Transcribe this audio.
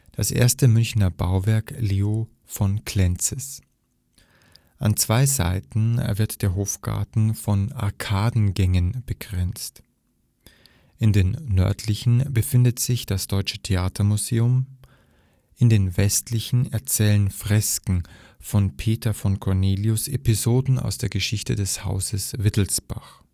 das erste Münchner Bauwerk Leo von Klenzes. An zwei Seiten wird der Hofgarten von Arkadengängen begrenzt; in den nördlichen befindet sich das Deutsche Theatermuseum, in den westlichen erzählen Fresken von Peter von Cornelius Episoden aus der Geschichte des Hauses Wittelsbach